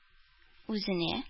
Үзенә